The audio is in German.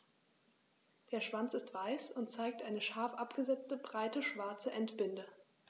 Der Schwanz ist weiß und zeigt eine scharf abgesetzte, breite schwarze Endbinde.